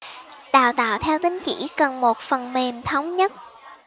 đào tạo theo tín chỉ cần một phần mềm thống nhất